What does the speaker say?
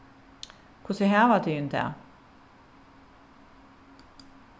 hvussu hava tygum tað